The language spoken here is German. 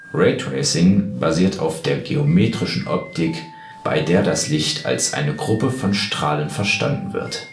Raytracing basiert auf der geometrischen Optik, bei der das Licht als eine Gruppe von Strahlen verstanden wird